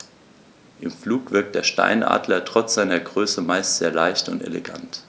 Im Flug wirkt der Steinadler trotz seiner Größe meist sehr leicht und elegant.